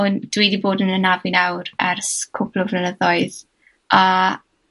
o'n... Dwi 'di bod yn anafu nawr ers cwpwl o flynyddoedd, a